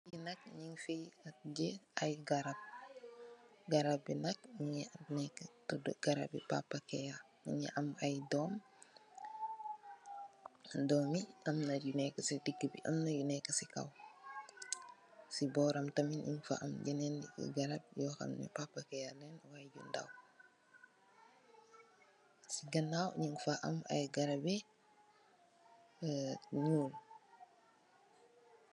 Li nak nyung fi gii ay garab garab bi nak mongi neka garabi papakaya mongi am ay dom domi amna yu neka si digi bi amna yu neka si kaw si boram tamit nyun fa am benen garab bu xamne papakaya bu ndaw si ganaw nyung fa am ay garabi ey nuul.